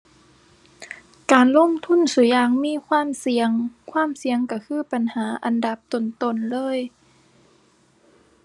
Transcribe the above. การลงทุนซุอย่างมีความเสี่ยง ความเสี่ยงก็คือปัญหาอันดับต้นต้นเลย